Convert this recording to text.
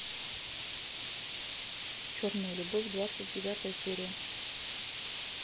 черная любовь двадцать девятая серия